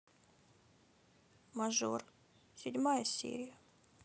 мажор седьмая серия